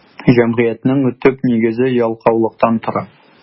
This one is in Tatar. Җәмгыятьнең төп нигезе ялкаулыктан тора.